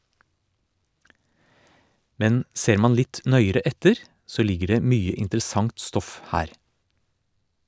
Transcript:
Men ser man litt nøyere etter, så ligger det mye interessant stoff her.